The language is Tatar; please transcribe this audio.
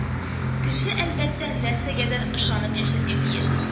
Кеше, әлбәттә, нәрсәгәдер ышанып яшәргә тиеш